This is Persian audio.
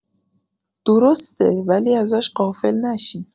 درسته.. ولی ازش غافل نشین